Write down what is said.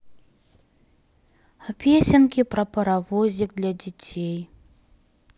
песенки про паровозик для детей